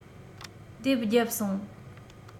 རྡེབ རྒྱབ སོང